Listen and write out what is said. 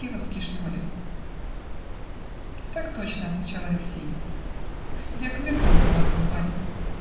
Тугиловский, что ли?" -- "Так точно, -- отвечал Алексей, -- я камердинер молодого барина".